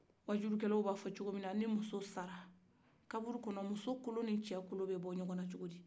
wajulikɛlaw bɛ a fɔ cogomina ni muso sara kaburu kɔnɔ muso kolo ani cɛ kolo bɛ don ka bɔ ɲɔgɔnna cogodi